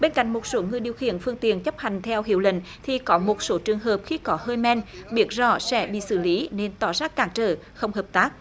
bên cạnh một số người điều khiển phương tiện chấp hành theo hiệu lệnh thì có một số trường hợp khi có hơi men biết rõ sẽ bị xử lý nên tỏ ra cản trở không hợp tác